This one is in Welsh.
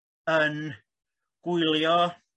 yn gwylio